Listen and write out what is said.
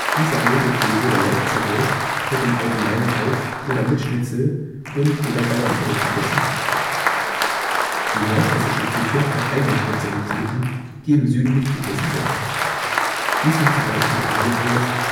Dieser milde Käse, der leicht zerläuft, wird im Allgemeinen auf oder mit Schnitzel und/oder Bauernbrot gegessen. Die nordhessische Küche hat eigene Spezialitäten, die im Süden nicht gegessen werden. Dies sind zum Beispiel Ahle Wurst, Weckewerk